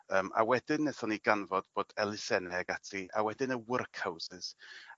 yym a wedyn nethon ni ganfod bod elusenne ag ati a wedyn y work houses